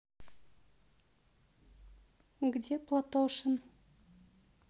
где платошин